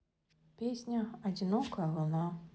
песня одинокая луна